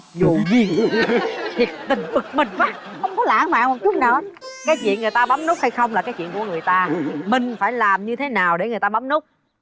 vô duyên thiệt tình bực mình quá không có lãng mạn một chút nào hết cái chuyện người ta bấm nút hay không là cái chuyện của người ta mình phải làm như thế nào để người ta bấm nút